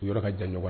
U yɔrɔ ka jan ɲɔgɔn